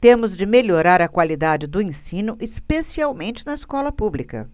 temos de melhorar a qualidade do ensino especialmente na escola pública